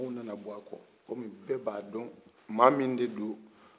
mɔgɔw nana bɔ kɔ komi bɛɛ ba dɔn maa min de don